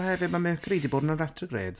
A hefyd ma' Mercury 'di bod mewn retrogrades.